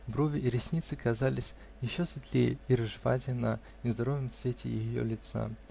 брови и ресницы казались еще светлее и рыжеватее на нездоровом цвете ее лица.